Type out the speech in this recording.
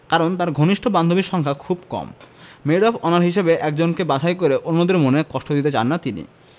কারণ তাঁর ঘনিষ্ঠ বান্ধবীর সংখ্যা খুব কম মেড অব অনার হিসেবে একজনকে বাছাই করে অন্যদের মনে কষ্ট দিতে চান না তিনি